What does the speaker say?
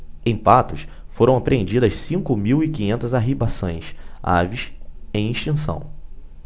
em patos foram apreendidas cinco mil e quinhentas arribaçãs aves em extinção